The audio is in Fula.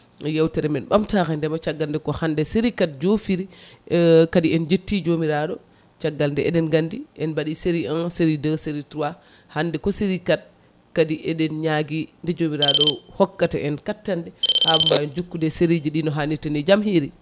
yewtere men ɓamtare ndeema caggal nde ko hande série 4 a joofiri kadi en jetti jomiraɗo caggal nde eɗen gandi en mɓaɗi série 1 série 2 série 3 hanko série 4 kadi eɗen ñaagui nde jomiraɗo o hokkata en kattanɗe ha mbawen jokkude série ji ɗi no hannirta ni jaam hiiri